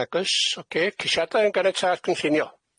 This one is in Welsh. Nag oes, oce, ceisiadau am ganiatad cynllunio.